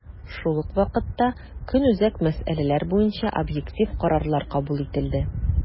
Шул ук вакытта, көнүзәк мәсьәләләр буенча объектив карарлар кабул ителде.